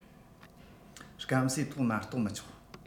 སྐམ སའི ཐོག མ གཏོག མི ཆོག